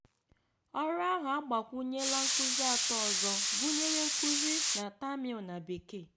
Ọrụ ahụ agbakwunyela nkuzi atọ ọzọ, gụnyere nkuzi na Tamil na Bekee.